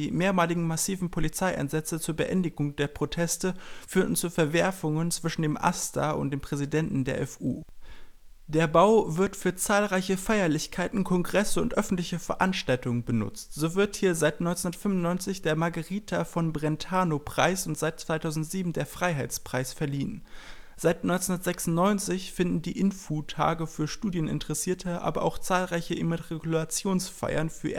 mehrmaligen massiven Polizeieinsätze zur Beendigung der Proteste führten zu Verwerfungen zwischen dem AStA und dem Präsidenten der FU. Der Bau wird für zahlreiche Feierlichkeiten, Kongresse und öffentliche Verantstaltungen benutzt. So wird hier seit 1995 der Margherita-von-Brentano-Preis und seit 2007 der Freiheitspreis verliehen. Seit 1996 finden die InFU.tage für Studieninteressierte aber auch zahlreiche Immatrikulationsfeiern für